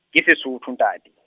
ke Sesotho ntate.